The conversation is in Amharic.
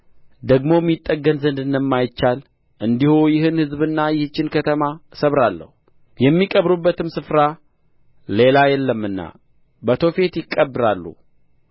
ደግሞም ይጠገን ዘንድ እንደማይቻል እንዲሁ ይህን ሕዝብና ይህችን ከተማ እሰብራለሁ የሚቀብሩበትም ስፍራ ሌላ የለምና በቶፌት ይቀበራሉ